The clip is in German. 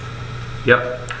Ja.